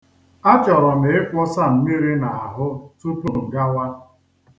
Achọrọ m ịkwọsa mmiri n'ahụ tupu m gawa.